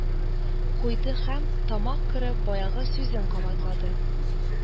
Куйды һәм, тамак кырып, баягы сүзен кабатлады: